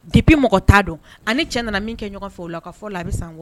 De bɛ mɔgɔ t' dɔn ani cɛ nana min kɛ ɲɔgɔn fɛ o la ka fɔ la a bɛ san